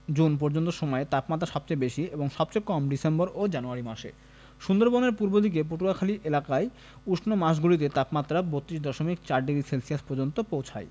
June পর্যন্ত সময়ে তাপমাত্রা সবচেয়ে বেশি এবং সবচেয়ে কম ডিসেম্বর ও জানুয়ারী মাসে সুন্দরবনের পূর্ব দিকে পটুয়াখালী এলাকায় উষ্ণ মাসগুলিতে তাপমাত্রা ৩২ দশমিক ৪ ডিগ্রি সেলসিয়াস পর্যন্ত পৌঁছয়